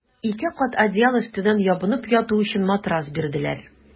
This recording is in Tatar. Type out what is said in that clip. Ике кат одеял өстеннән ябынып яту өчен матрас бирделәр.